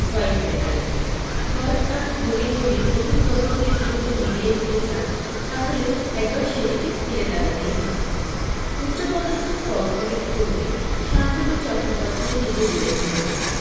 white মেটালে ঘর আর ঘড়ি যদি নতুন দম্পতীর জীবনে মিলিয়ে দিতে চান তা হলে একবার সে দিকে ফিরে তাকাতেই হয় উচ্চপদস্থ কর্পোরেট কর্মী শান্তনু চট্টোপাধ্যায় নিজে বিবাহিত নন